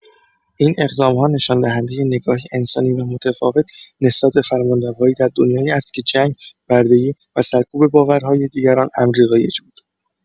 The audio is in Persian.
این اقدام‌ها نشان‌دهنده نگاهی انسانی و متفاوت نسبت به فرمانروایی در دنیایی است که جنگ، بردگی و سرکوب باورهای دیگران امری رایج بود.